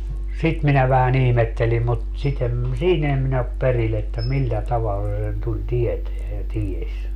sitä minä vähän ihmettelin mutta sitä en siinä en minä ole perillä että millä tavalla se sen tuli tietämään ja tiesi